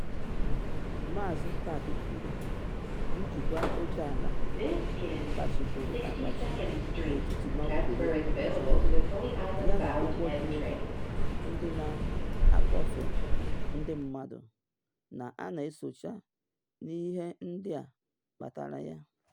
Maazị Park kwuru njikwa oke ala kpachikwuru akpachi n’etiti North Korea na China yana ụgwọ dị elu ndị na akpọfe ndị mmadụ na ana socha n’ihe ndị kpatara ya.